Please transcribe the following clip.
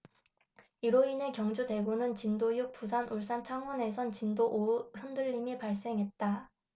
이로 인해 경주 대구는 진도 육 부산 울산 창원에선 진도 오 의 흔들림이 발생했다